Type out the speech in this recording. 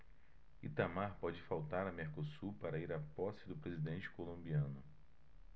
itamar pode faltar a mercosul para ir à posse do presidente colombiano